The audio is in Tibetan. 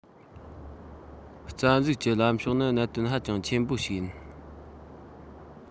རྩ འཛུགས ཀྱི ལམ ཕྱོགས ནི གནད དོན ཧ ཅང ཆེན པོ ཞིག ཡིན